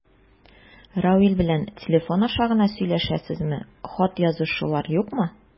Равил белән телефон аша гына сөйләшәсезме, хат язышулар юкмы?